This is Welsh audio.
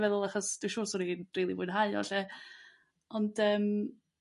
yn feddwl achos dwi siwr 'swn ni gyd yn rili mwynhau o 'lly ond yrm.